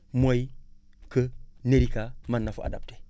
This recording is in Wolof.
mooy que nerica mën na fa adapté